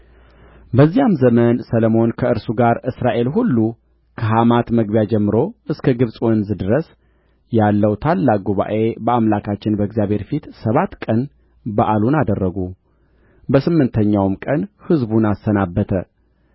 በዚያም ዘመን ሰሎሞን ከእርሱም ጋር እስራኤል ሁሉ ከሐማት መግቢያ ጀምሮ እስከ ግብጽ ወንዝ ድረስ ያለው ታላቅ ጉባኤ በአምላካችን በእግዚአብሔር ፊት ሰባት ቀን በዓሉን አደረጉ በስምንተኛውም ቀን ሕዝቡን አሰናበተ